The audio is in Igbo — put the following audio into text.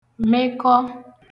mekọ